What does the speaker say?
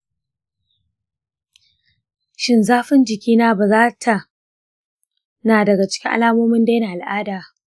shin zafin jiki na bazata na daga cikin alamun daina al’ada?